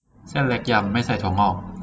เส้นเล็กยำไม่ใส่ถั่วงอก